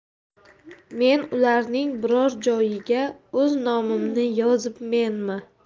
men ularning biror joyiga o'z nomimni yozibmenmi